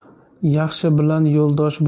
yaxshi bilan yo'ldosh